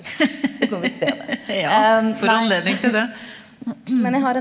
ja får anledning til det .